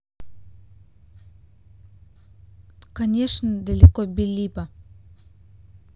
ну конечно далеко белиба